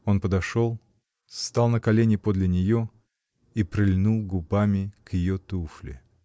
Он подошел, стал на колени подле нее и прильнул губами к ее туфле.